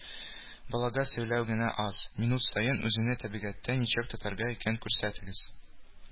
Балага сөйләү генә аз, минут саен үзеңне табигатьтә ничек тотарга икәнен күрсәтегез